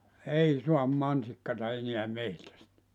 ei saa mansikkaa enää metsästä